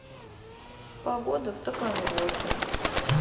погода в таганроге